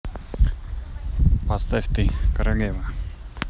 поставь ты королева